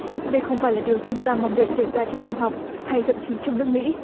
đây không phải là điều chúng ta mong đợi xảy ra trong trường học hay thậm chí trong nước mỹ